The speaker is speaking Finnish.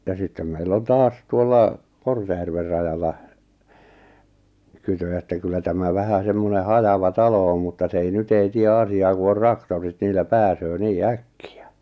ja sitten meillä on taas tuolla Kortejärven rajalla kytö että kyllä tämä vähän semmoinen hajava talo on mutta se ei nyt ei tee asiaa kun on traktorit niillä pääsee niin äkkiä